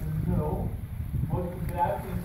nul) wordt gebruikt in